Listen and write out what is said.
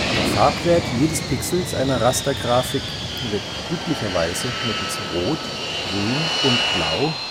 Der Farbwert jedes Pixels einer Rastergrafik wird üblicherweise mittels Rot -, Grün - und Blau